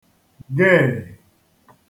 geè